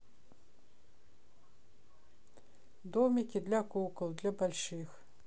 домики для кукол для больших